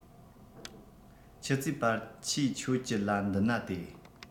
ཁྱི ཙེ པར ཆས ཁྱོད ཀྱི ལ མདུན ན དེད